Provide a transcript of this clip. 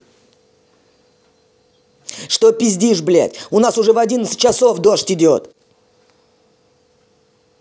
что пиздишь блядь у нас уже в одиннадцать часов дождь идет